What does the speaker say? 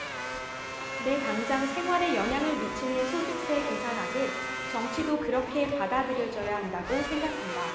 내 당장 생활에 영향을 미치는 소득세 계산하듯 정치도 그렇게 받아들여져야 한다고 생각한다